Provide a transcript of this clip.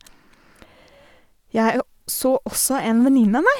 Jeg o så også en venninne av meg.